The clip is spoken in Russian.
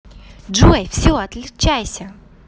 джой все отключайся